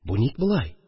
Бу ник болай